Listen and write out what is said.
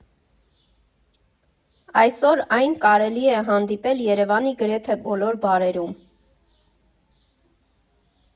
Այսօր այն կարելի է հանդիպել Երևանի գրեթե բոլոր բարերում։